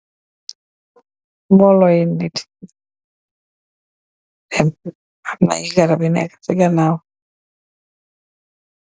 Mbolo init amna garab yu neka si ganaw